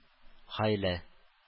Гаилә